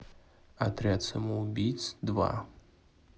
отряд самоубийц два